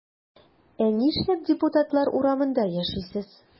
Ә нишләп депутатлар урамында яшисез?